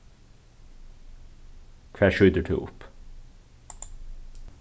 hvat skjýtur tú upp